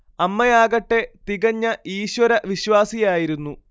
അമ്മയാകട്ടെ തികഞ്ഞ ഈശ്വരവിശ്വാസിയായിരുന്നു